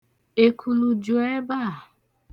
Ekulu ju ebe a.